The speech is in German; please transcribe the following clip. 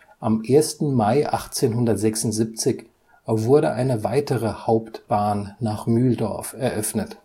Am 1. Mai 1876 wurde eine weitere Hauptbahn nach Mühldorf eröffnet